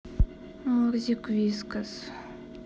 мурзик вискас